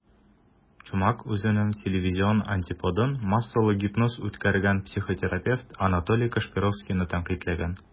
Чумак үзенең телевизион антиподын - массалы гипноз үткәргән психотерапевт Анатолий Кашпировскийны тәнкыйтьләгән.